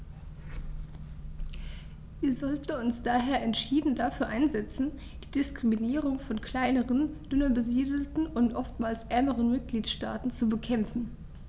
Wir sollten uns daher entschieden dafür einsetzen, die Diskriminierung von kleineren, dünner besiedelten und oftmals ärmeren Mitgliedstaaten zu bekämpfen.